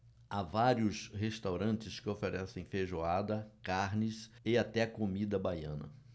há vários restaurantes que oferecem feijoada carnes e até comida baiana